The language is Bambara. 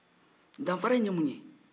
danfara in ye mun ye